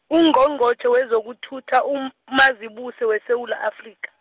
Ungqongqotjhe wezokuthutha, UM- -mazibuse weSewula Afrika.